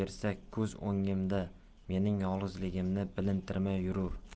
bersak ko'z o'ngimda mening yolg'izligimni bilintirmay yurur